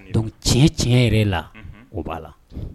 Dɔnkuc tiɲɛ tiɲɛ yɛrɛ la o b'a la